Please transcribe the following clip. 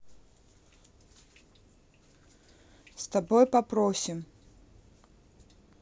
с тобой попросим